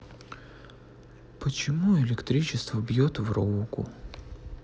почему электричество бьет в руку